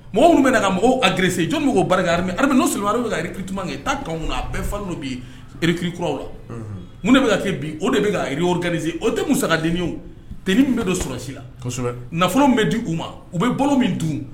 Mɔgɔ minnu bena ka mɔgɔw agresser jɔni be k'o baara kɛ armée armée non seulement armée be ka recrutement kɛ taa camp w na a bɛɛ falen do bii recrue kuraw la unhun mun de be ka kɛ bi o de be ka réorganiser o te musaka deni ye o tenue min be don sɔrasi la kosɛbɛ nafolo min be di u ma u be balo min dun